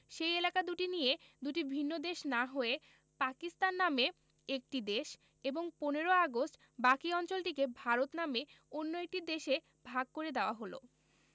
সেই এলাকা দুটি নিয়ে দুটি ভিন্ন দেশ না হয়ে পাকিস্তান নামে একটি দেশ এবং ১৫ আগস্ট বাকী অঞ্চলটিকে ভারত নামে অন্য একটি দেশে ভাগ করে দেয়া হলো